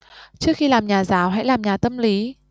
trước khi làm nhà giáo hãy làm nhà tâm lý